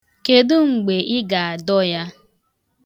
Kedụ mgbe ị ga-adọ ya?